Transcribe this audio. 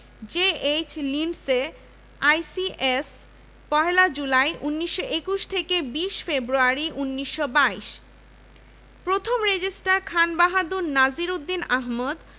একটি কমিশন গঠনের ঘোষণা দেন লিড্স বিশ্ববিদ্যালয়ের উপাচার্য ড. এম.ই স্যাডলারের নেতৃত্বে ১৯১৯ সালে গঠিত কমিশনের প্রতিবেদনে ব্রিটিশ